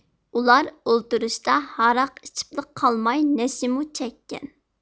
ئۇلار ئولتۇرۇشتا ھاراق ئىچىپلا قالماي نەشىمۇ چەككەن